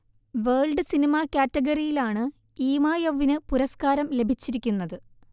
world cinema കാറ്റഗറിയിലാണ് ഈമയൗവിന് പുരസ്കാരം ലഭിച്ചിരിക്കുന്നത്